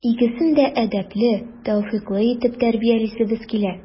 Икесен дә әдәпле, тәүфыйклы итеп тәрбиялисебез килә.